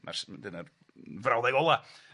Ma'r s- dyna'r frawddeg ola.